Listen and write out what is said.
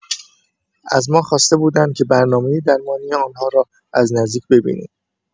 از ما خواسته بودند که برنامه درمانی آن‌ها را از نزدیک ببینیم.